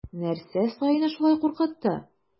Нәрсә саине шулай куркытты?